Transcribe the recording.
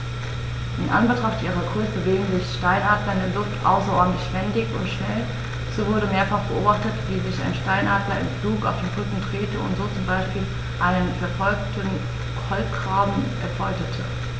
In Anbetracht ihrer Größe bewegen sich Steinadler in der Luft außerordentlich wendig und schnell, so wurde mehrfach beobachtet, wie sich ein Steinadler im Flug auf den Rücken drehte und so zum Beispiel einen verfolgenden Kolkraben erbeutete.